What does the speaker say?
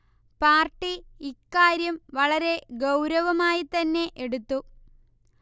party ഇക്കാര്യം വളരെ ഗൌരവമായി തന്നെ എടുത്തു